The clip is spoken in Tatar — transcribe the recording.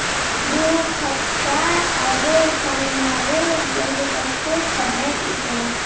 Бу хакта “Авыл таңнары” газетасы хәбәр итә.